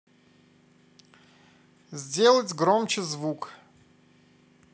сделать громче звук